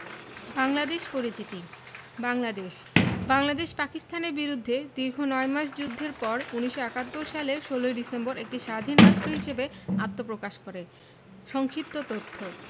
বাংলাদেশ পরিচিতি বাংলাদেশ বাংলাদেশ পাকিস্তানের বিরুদ্ধে দীর্ঘ নয় মাস যুদ্ধের পর ১৯৭১ সালের ১৬ ই ডিসেম্বর একটি স্বাধীন রাষ্ট্র হিসেবে আত্মপ্রকাশ করে সংক্ষিপ্ত তথ্য